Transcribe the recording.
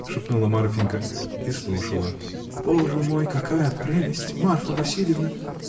— шепнула Марфинька — и слушала. — Боже мой, какая прелесть!. Марфа Васильевна.